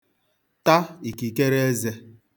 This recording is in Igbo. ta ìkìkereezē